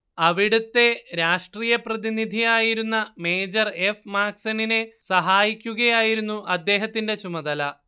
അവിടത്തെ രാഷ്ട്രീയപ്രതിനിധിയായിരുന്ന major F മാക്സണിനെ സഹായിക്കുകയായിരുന്നു അദ്ദേഹത്തിന്റെ ചുമതല